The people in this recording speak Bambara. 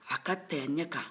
a ka t'a ɲɛ kan